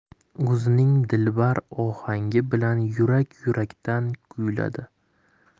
o'zining dilbar ohangi bilar yurak yurak dan kuyladi